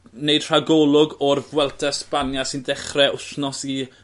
neud rhagolwg o'r Vuelta Espania sy'n dechre wthnos i